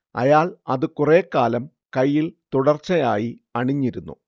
അയാൾ അത് കുറേക്കാലം കൈയ്യിൽ തുടർച്ചയായി അണിഞ്ഞിരുന്നു